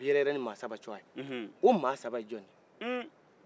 lawurusi bɛ yɛrɛ yɛrɛ ni mɔgɔ saba tɔgɔ ye o mɔgɔ saba ye jɔn ye